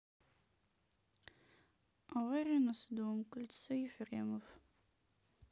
авария на садовом кольце ефремов